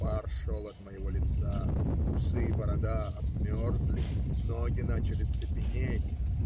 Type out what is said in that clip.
Пар шел от моего лица, усы и борода обмерзли, ноги начали цепенеть.